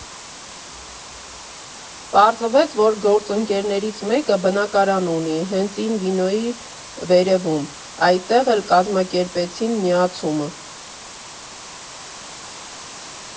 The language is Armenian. Պարզվեց, որ գործընկերներից մեկը բնակարան ունի հենց Ին Վինոյի վերևում, այդտեղ էլ կազմակերպեցին միացումը։